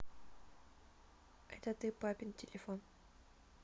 это ты папин телефон